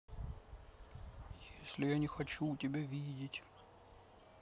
если я не хочу тебя видеть